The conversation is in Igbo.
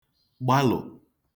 gbalụ̀